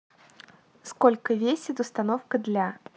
сколько весит установка для